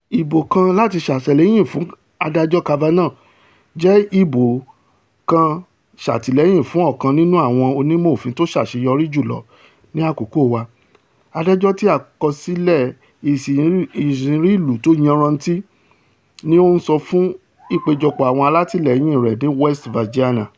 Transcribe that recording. Ìbò kan láti ṣàtìlẹ́yìn fún Adájọ́ Kavanaugh jẹ́ ìbò kan ṣàtìlẹ́yìn fún ọ̀kan nínú àwọn onímọ òfin tó ṣàṣeyọrí jùlọ ni àkokó wa, adájọ́ tí àkọsílẹ̀ ìsìnrú ìlú tó yanranntí,'' ní ó sọ fún ìpéjọpọ̀ àwọn alátìlẹ́yìn rẹ̀ ní West Virginia.